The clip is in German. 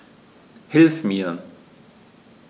Hilf mir!